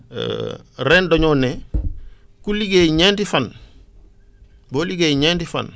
ren dañoo ne ku liggéey ñeenti fan boo liggéeyee ñeenti fan